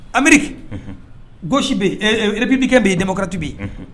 Ameriki, unhun gauche bɛ ɛɛ republicains bɛ yen democrates bɛ yen, ɔnhɔn.